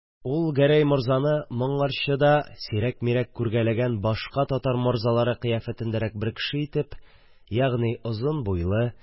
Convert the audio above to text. Әкрәм карый Гәрәй морзаны моңарчы да сирәк-мирәк күргәләгән башка татар морзалары кыяфәтендәрәк бер кеше итеп, ягъни озын буйлы,